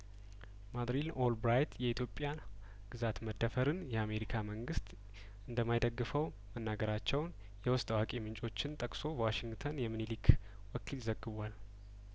ማድ ሪል ኦል ብራይት የኢትዮጵያ ግዛት መደፈርን የአሜርካ መንግስት እንደማይደግፈው መናገራቸውን የውስጥ አዋቂ ምንጮችን ጠቅሶ በዋሽንግተን የምኒሊክ ወኪል ዘግቧል